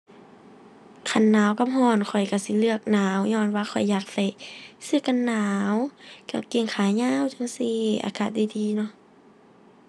คันหนาวกับร้อนข้อยร้อนสิเลือกหนาว ญ้อนว่าข้อยอยากใส่เสื้อกันหนาว กางเกงขายาวจั่งซี้ อากาศดีดีเนาะ